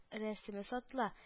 Рәсеме сатыла